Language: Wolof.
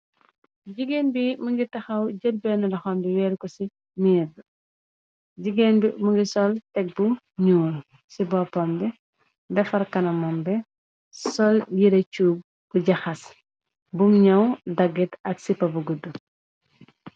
Jigéen bi mingi taxaw, jëlbenne loxam bi weer ko si mir bi, jigéen bi mingi sol teg bu ñuul si boppam bi, defar kanamam bi, sol yire cuub bu jaxas, bum ñaw daggit ak sipa bu guddu